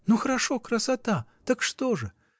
Ну хорошо, красота: так что же?